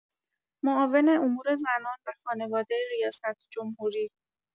معاون امور زنان و خانواده ریاست‌جمهوری